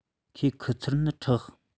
ཁོའི ཁུ ཚུར ནི མཁྲེགས